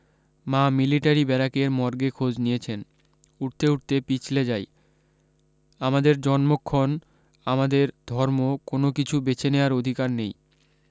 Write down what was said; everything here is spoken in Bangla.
মা মিলিটারি ব্যারাকের মর্গে খোঁজ নিয়েছেন উঠতে উঠতে পিছলে যাই আমাদের জন্মক্ষন আমাদের ধর্ম কোনো কিছু বেছে নেয়ার অধিকার নেই